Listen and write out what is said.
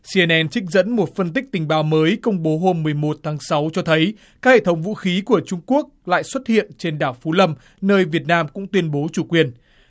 si en en trích dẫn một phân tích tình báo mới công bố hôm mười một tháng sáu cho thấy các hệ thống vũ khí của trung quốc lại xuất hiện trên đảo phú lâm nơi việt nam cũng tuyên bố chủ quyền